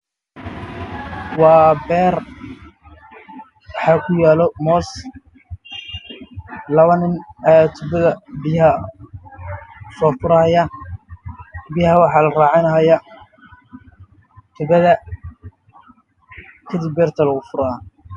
Meeshan nin ayaa tuubo biyo ka horinayo